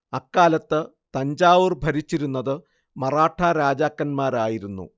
അക്കാലത്ത് തഞ്ചാവൂർ ഭരിച്ചിരുന്നത് മറാഠാ രാജാക്കന്മാരായിരുന്നു